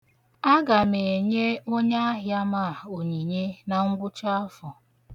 Aga m enye onyeahịa m a onyinye na ngwụcha afọ.